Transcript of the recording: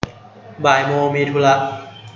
บ่ายโมงมีธุระ